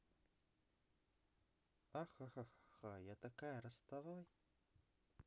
ахаха я такая ростовой